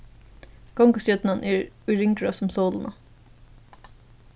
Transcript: gongustjørnan er í ringrás um sólina